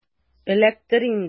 Эләктер инде!